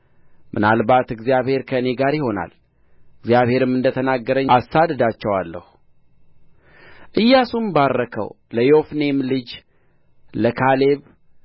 ምናልባት እግዚአብሔር ከእኔ ጋር ይሆናል እግዚአብሔርም እንደ ተናገረኝ አሳድዳቸዋለሁ ኢያሱም ባረከው ለዮፎኒም ልጅ ለካሌብ